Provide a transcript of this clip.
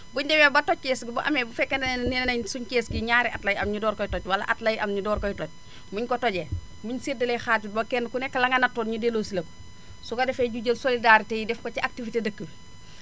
bu ñu demee ba toj kees gi bu amee bu fekkee ni neenaénu suénu kees gii ñaari at lay am énu door koy toj wala at lay am ñu door koy toj buñu ko tojee buñu séddalee xaalis bi ba kenn ku nekk la nga nattoon ñu delloosi la su ko defee ñu jël solidarité yi def ko ci activité dëkk bi